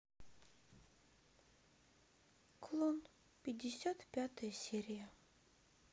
клон пятьдесят пятая серия